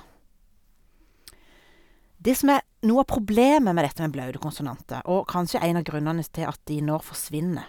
Det som er noe av problemet med dette med blaute konsonanter, og kanskje en av grunnene s til at de nå forsvinner...